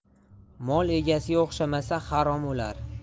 mol egasiga o'xshamasa harom o'lar